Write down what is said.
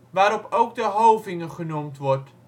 waarop ook de hovinge genoemd wordt